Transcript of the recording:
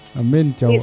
amiin Thiaw